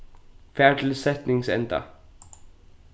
far til setningsenda